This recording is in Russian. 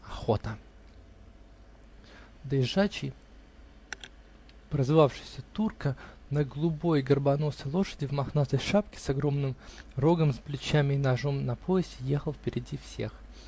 ОХОТА. Доезжачий, прозывавшийся Турка, на голубой горбоносой лошади в мохнатой шапке, с огромным рогом за плечами и ножом на поясе, ехал впереди всех.